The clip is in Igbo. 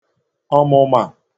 ọ̀mụ̀mà